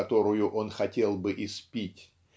которую он хотел было испить